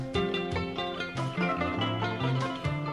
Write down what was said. Sanunɛ